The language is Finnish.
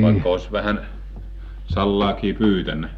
- vaikka olisi vähän salaakin pyytänyt